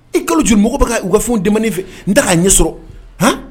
I kalo dun mɔgɔbaga u kaffin denmisɛnninin fɛ n da'a ɲɛ sɔrɔ hɔn